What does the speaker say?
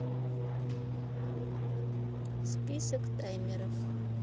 список таймеров